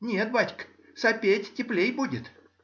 — Нет, бачка, сопеть — теплей будет.